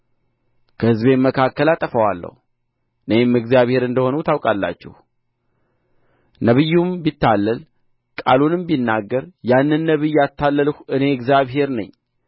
ከሕዝቤም መካከል አጠፋዋለሁ እኔም እግዚአብሔር እንደ ሆንሁ ታውቃላችሁ ነቢዩም ቢታለል ቃልንም ቢናገር ያንን ነቢይ ያታለልሁ እኔ እግዚአብሔር ነኝ